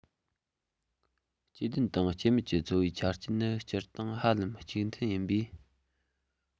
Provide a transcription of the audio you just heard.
སྐྱེ ལྡན དང སྐྱེ མེད ཀྱི འཚོ བའི ཆ རྐྱེན ནི སྤྱིར བཏང ཧ ལམ གཅིག མཐུན ཡིན པས